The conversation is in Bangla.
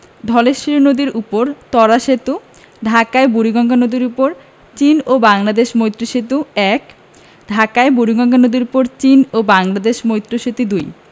ধলেশ্বরী নদীর উপর ত্বরা সেতু ঢাকায় বুড়িগঙ্গা নদীর উপর চীন ও বাংলাদেশ মৈত্রী সেতু ১ ঢাকায় বুড়িগঙ্গা নদীর উপর চীন বাংলাদেশ মৈত্রী সেতু ২